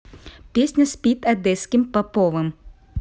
песня спит одесским поповым